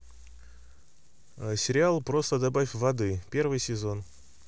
сериал просто добавь воды первый сезон